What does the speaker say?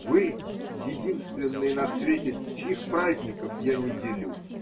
Вы – единственные на свете, чьих праздников я не делю.